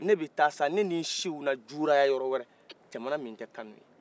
ne bɛ ta sa ne ni n chiw na juraya yɔrɔ wɛrɛ jaman min tɛ kanu ye